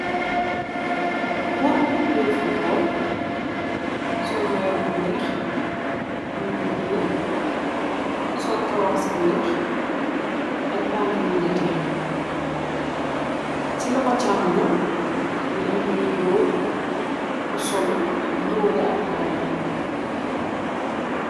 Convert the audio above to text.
Goor buy pileey fuutbool, sol mayo bu weex, am lu giriin, sol kawaas yu weex ak dallë yu nétté. Ci loxo chaamoyam, mu ngi am bénen góor bu sollu, niroole ak mom.